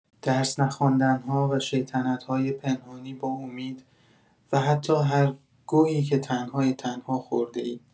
درس نخواندن‌ها و شیطنت‌های پنهانی با امید، و حتی هر گهی که تن‌های تنها خورده‌ای.